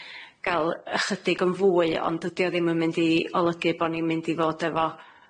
ga'l ychydig yn fwy, ond dydi o ddim yn mynd i olygu bo' ni'n mynd i fod efo